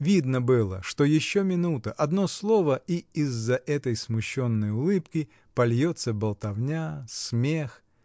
Видно было, что еще минута, одно слово — и из-за этой смущенной улыбки польется болтовня, смех.